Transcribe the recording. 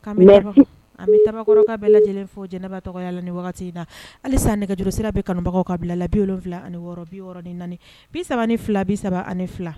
Ankɔrɔ bɛɛ la lajɛlen fo jɛnɛba tɔgɔya la ni in na halisa nɛgɛj sira bɛ kanubagaw ka bila la bi ani bi ni bi3 ni fila bi saba ani fila